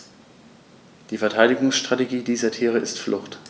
Die Verteidigungsstrategie dieser Tiere ist Flucht.